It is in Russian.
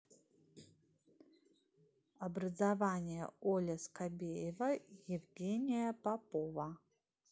образование оле скобеева и евгения попова